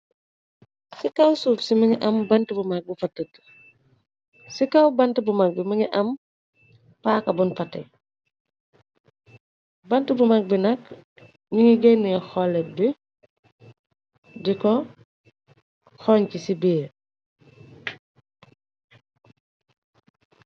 Ci kaw suuf ci minga am bant bu mag bu fatëkg. Ci kaw bant bu mag bi mi nga am paaka bun fate. Bant bu mag bi nag ñu ngi gennee xolet bi di ko xoñci ci biir.